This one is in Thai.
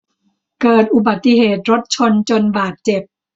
เกิดอุบัติเหตุรถชนจนบาดเจ็บ